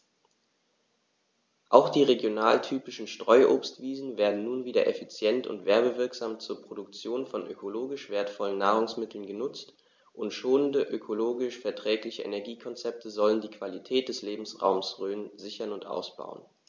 Auch die regionaltypischen Streuobstwiesen werden nun wieder effizient und werbewirksam zur Produktion von ökologisch wertvollen Nahrungsmitteln genutzt, und schonende, ökologisch verträgliche Energiekonzepte sollen die Qualität des Lebensraumes Rhön sichern und ausbauen.